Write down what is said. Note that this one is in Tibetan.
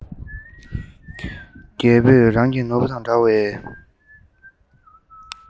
རྒད པོས རང གི ནོར བུ དང འདྲ བའི